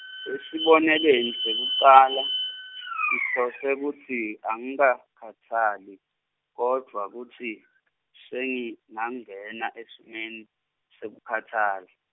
Esibonelweni sekucala sihlose kutsi angikakhatsali kodvwa kutsi sengingena esimeni sekukhatsala.